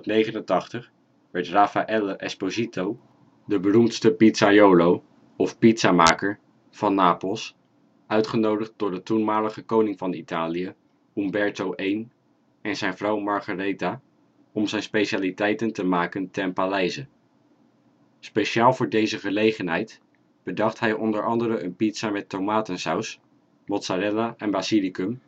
1889 werd Raffaele Esposito, de beroemdste pizzaiolo (pizzamaker) van Napels, uitgenodigd door de toenmalige koning van Italië Umberto I en zijn vrouw Margaretha om zijn specialiteiten te maken ten paleize. Speciaal voor deze gelegenheid bedacht hij onder andere een pizza met tomatensaus, mozzarella en basilicum